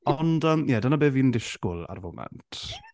Ond yym ie dyna be fi'n disgwyl ar y foment.